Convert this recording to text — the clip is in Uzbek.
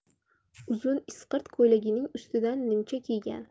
uzun isqirt ko'ylagining ustidan nimcha kiygan